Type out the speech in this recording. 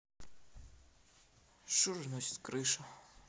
шура сносит крышу